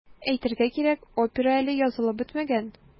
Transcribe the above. Әйтергә кирәк, опера әле язылып бетмәгән.